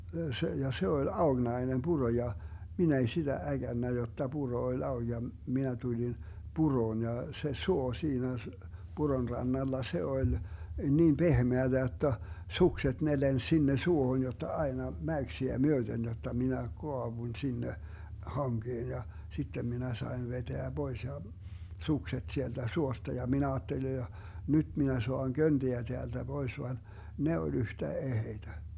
se ja se oli aukinainen puro ja minä ei sitä äkännyt jotta puro oli auki ja minä tulin puroon ja se suo siinä - puron rannalla se oli niin pehmeää jotta sukset ne lensi sinne suohon jotta aina mäyksiä myöten jotta minä kaaduin sinne hankeen ja sitten minä sain vetää pois ja sukset sieltä suosta ja minä ajattelin ja nyt minä saan köntiä täältä pois vaan ne oli yhtä eheitä